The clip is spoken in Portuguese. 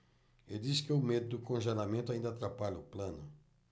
ele disse que o medo do congelamento ainda atrapalha o plano